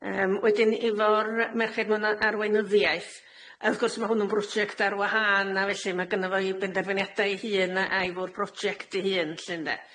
Yym wedyn efo'r merched mewn a- arweinyddiaeth, wrth gwrs ma' hwnnw'n broject ar wahân a felly ma' gynno fo'i benderbyniade'i hun a- a'i fwrdd project 'i hun 'lly ynde?